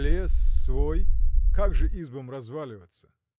Лес свой: как же избам разваливаться!